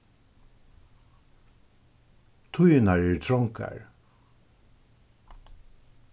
tíðirnar eru trongar